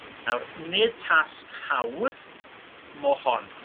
Nawr nid tasg hawdd mo' hon.